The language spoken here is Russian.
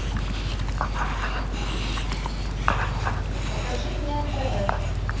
покажи мне нтв